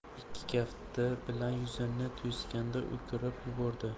ikki kafti bilan yuzini to'sgancha o'kirib yubordi